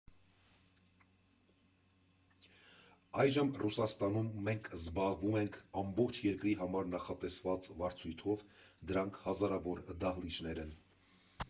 Այժմ Ռուսաստանում մենք զբաղվում ենք ամբողջ երկրի համար նախատեսված վարձույթով, դրանք հազարավոր դահլիճներ են։